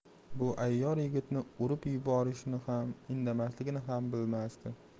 bu ayyor yigitni urib yuborishini ham indamasligini ham bilmasdi